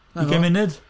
Ugain munud?